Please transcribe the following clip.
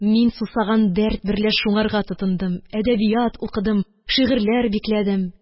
Ин сусаган дәрт берлә шуңарга тотындым. әдәбият укыдым, шигырьләр бикләдем.